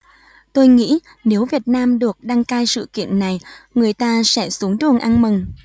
tôi nghĩ nếu việt nam được đăng cai sự kiện này người ta sẽ xuống đường ăn mừng